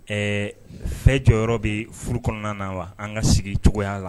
Ɛɛ fɛn jɔyɔrɔ yɔrɔ bɛ furu kɔnɔna na wa an ka sigi cogoya la